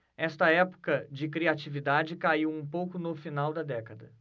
esta época de criatividade caiu um pouco no final da década